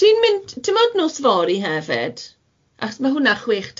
Wyt ti'n mynd ti'mod nos fory hefyd achos ma' hwnna chwech